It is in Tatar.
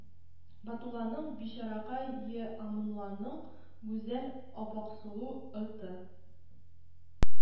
Батулланың Бичаракай е, Аманулланың Гүзәл Аппаксылу ы, Т